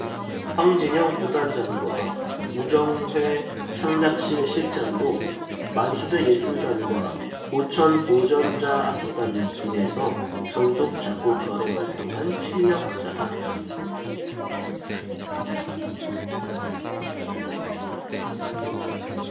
황진영 부단장과 우정희창작실 실장도 만수대 예술단과 보천보전자악단 등에서 전속 작곡가로 활동한 실력자다